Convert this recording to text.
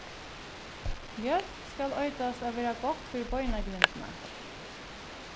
mjólk skal eitast at vera gott fyri beinagrindina